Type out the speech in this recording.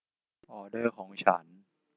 ออเดอร์ของฉัน